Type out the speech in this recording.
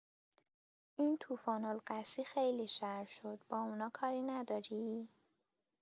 این طوفان الاقصی خیلی شر شد با اونا کاری نداری؟